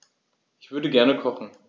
Ich würde gerne kochen.